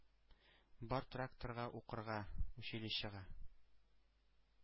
Бар тракторга укырга, училищега.